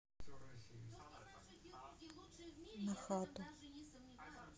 на хату